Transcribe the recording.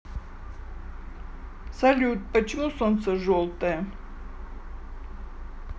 салют почему солнце желтое